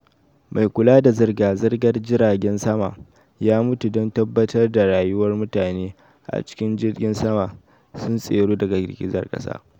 Mai kula da zirga-zirgar jiragen sama ya mutu don tabbatar da rayuwar mutane a cikin jirgin sama sun tseru daga girgizar kasa